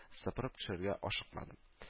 Сыпырып төшерергә ашыкмадым